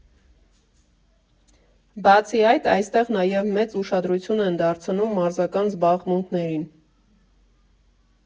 Բացի այդ, այստեղ նաև մեծ ուշադրություն են դարձնում մարզական զբաղումնքներին.